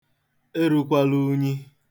Erukwala unyi.